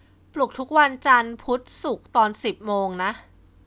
ปลุกทุกวันจันทร์พุธศุกร์ตอนสิบโมงนะ